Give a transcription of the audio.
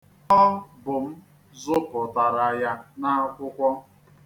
Ọ bụ m zụpụtara ya n'akwụkwọ.